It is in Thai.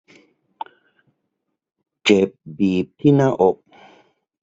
เจ็บบีบที่หน้าอก